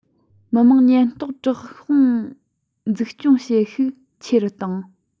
མི དམངས ཉེན རྟོག དྲག དཔུང འཛུགས སྐྱོང བྱེད ཤུགས ཆེ རུ བཏང